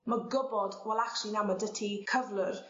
ma' gwbod wel actually na ma' 'dy ti cyflwr